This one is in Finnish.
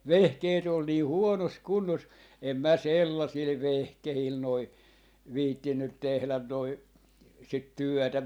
vehkeet oli niin huonossa kunnossa en minä sellaisilla vehkeillä noin viitsinyt tehdä noin sitä työtä